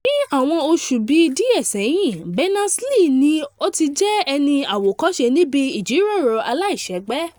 Ní àwọn oṣù bí díẹ̀ ṣẹ́yìn, Berners-Lee ni ó ti jẹ́ ẹní àwòkọ́ṣe níbi ìjíròrò aláìṣègbè.